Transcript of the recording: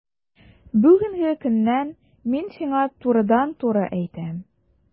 Бүгенге көннән мин сиңа турыдан-туры әйтәм: